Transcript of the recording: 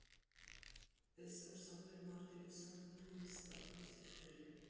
Էսօր Սամվել Մարտիրոսյանը թույն ստատուս էր գրել…